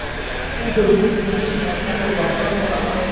khu rừng hay một dòng sông